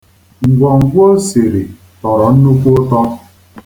Ngwọngwọ o siri tọrọ nnukwu ụtọ.